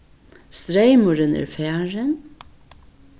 streymurin er farin